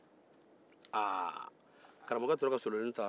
karamɔgɔkɛ tora ka solonin ta